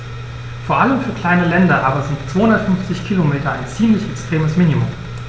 Vor allem für kleine Länder aber sind 250 Kilometer ein ziemlich extremes Minimum.